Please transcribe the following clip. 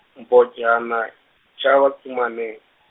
Mbhojana, chava tsumani.